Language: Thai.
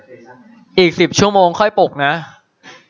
อีกสิบชั่วโมงค่อยปลุกนะ